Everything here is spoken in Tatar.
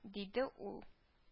Диде ул